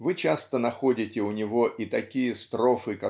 вы часто находите у него и такие строфы